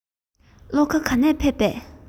ལྷོ ཁ ག ནས ཕེབས པ